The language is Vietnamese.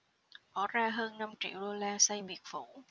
bỏ ra hơn năm triệu đô la xây biệt phủ